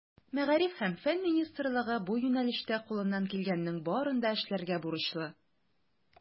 Мәгариф һәм фән министрлыгы бу юнәлештә кулыннан килгәннең барын да эшләргә бурычлы.